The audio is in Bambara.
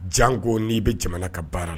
Jan ko n'i bɛ jamana ka baara la